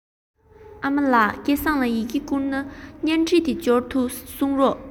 ཨ མ ལགས སྐལ བཟང ལ ཡི གེ བསྐུར ན བརྙན འཕྲིན དེ འབྱོར འདུག གསུངས རོགས